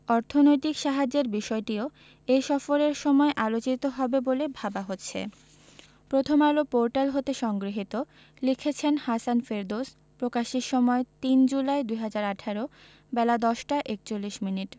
অর্থনৈতিক সাহায্যের বিষয়টিও এই সফরের সময় আলোচিত হবে বলে ভাবা হচ্ছে প্রথমআলো পোর্টাল হতে সংগৃহীত লিখেছেন হাসান ফেরদৌস প্রকাশের সময় ৩ জুলাই ২০১৮ বেলা ১০টা ৪১মিনিট